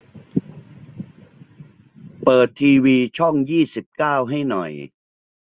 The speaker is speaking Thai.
เปิดทีวีช่องยี่สิบเก้าให้หน่อย